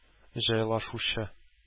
Җайлашучы